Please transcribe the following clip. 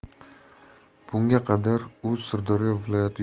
bunga qadar u sirdaryo viloyati yong'in